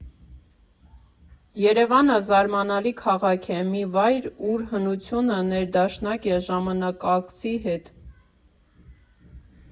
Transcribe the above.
Երևանը զարմանալի քաղաք է, մի վայր, ուր հնությունը ներդաշնակ է ժամանակակցի հետ։